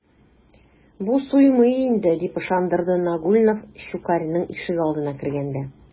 Бу суймый инде, - дип ышандырды Нагульнов Щукарьның ишегалдына кергәндә.